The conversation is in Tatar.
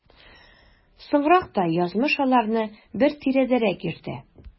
Соңрак та язмыш аларны бер тирәдәрәк йөртә.